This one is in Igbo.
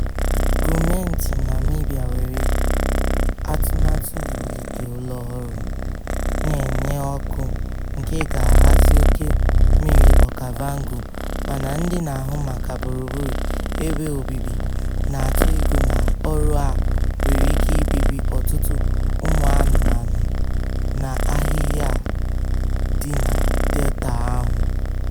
Gọọmenti Namibia nwere atụmatụ iwulite ụlọọrụ na-enye ọkụ nke ga-ahazi oke mmiri Okavango, mana ndị na-ahụ maka gburugburu ebe obibi na-atụ egwu na ọrụ a nwere ike ibibi ọtụtụ ụmụanụmanụ na ahịhịa dị na Delta ahụ.